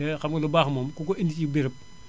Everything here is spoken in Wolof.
te xam nga lu bax moom ku ko indi ci béréb